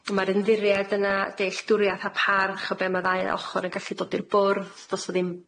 Ma'r ymddiried yna dealltwriaeth a parch o be' ma' ddau ochor yn gallu dod i'r bwrdd do's 'na ddim